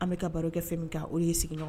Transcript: An bɛka ka baro kɛ fɛn min k olu y ye sigi ɲɔgɔn